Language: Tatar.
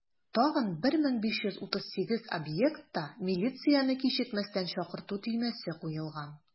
Тагын 1538 объектта милицияне кичекмәстән чакырту төймәсе куелган.